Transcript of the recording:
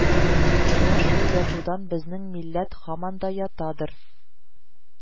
Менә шул ятудан безнең милләт һаман да ятадыр